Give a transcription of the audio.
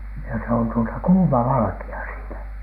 ja se on tuota kuuma valkea siinä